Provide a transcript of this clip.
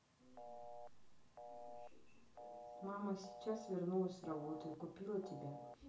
мама сейчас вернулась с работы и купила тебя